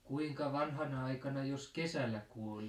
kuinka vanhana aikana jos kesällä kuoli